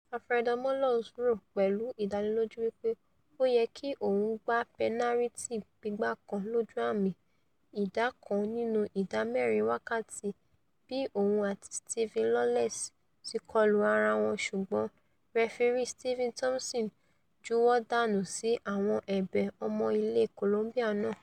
Alfredo Morelos rò pẹ̀lú ìdánilójú wí pé ó yẹ́ki òun gba pẹnariti gbígbá kan lójú àmì ìdá kan nínú ìdá mẹ́rin wákàtí bí òun àti Steven Lawless tíkọlu ara wọn ṣùgbọ́n rẹfirí Steven Thomson juwọ́ dànù sí àwọn ẹ̀bẹ̀ ọmọ ilẹ Colombia náà.